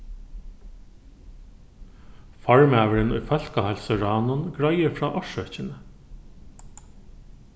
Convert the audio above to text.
formaðurin í fólkaheilsuráðnum greiðir frá orsøkini